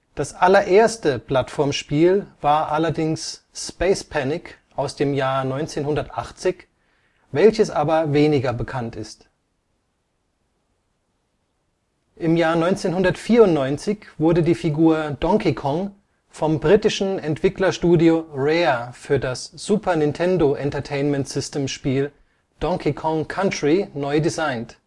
Das allererste Plattformspiel war allerdings Space Panic (1980), welches aber weniger bekannt ist. 1994 wurde die Figur Donkey Kong vom britischen Entwicklerstudio Rare für das Super Nintendo Entertainment System-Spiel Donkey Kong Country neu designt